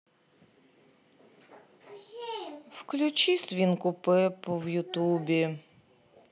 включи свинку пеппу в ютубе